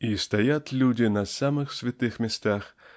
и стоят люди на самых святых местах